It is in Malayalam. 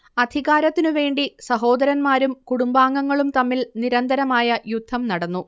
അധികാരത്തിനുവേണ്ടി സഹോദരന്മാരും കുടുംബാംഗങ്ങളും തമ്മിൽ നിരന്തരമായ യുദ്ധം നടന്നു